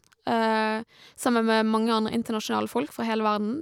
Sammen med mange andre internasjonale folk fra hele verden.